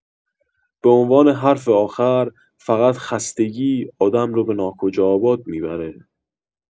به عنوان حرف آخر، فقط خستگی آدم رو به ناکجا آباد می‌بره.